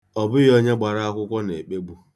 Ọ bụghị onye gbara akwụkwọ na-ekpegbu.